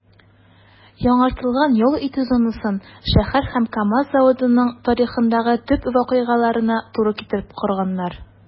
Яңартылган ял итү зонасын шәһәр һәм КАМАЗ заводының тарихындагы төп вакыйгаларына туры китереп корганнар.